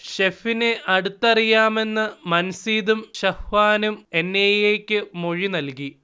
ഷെഫിനെ അടുത്തറിയാമെന്ന് മൻസീദും ഷഫ്വാനും എൻ. ഐ. എ. യ്ക്ക് മൊഴി നൽകി